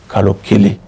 Kalo 1.